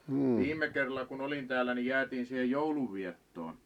viime kerralla kun olin täällä niin jäätiin siihen joulun viettoon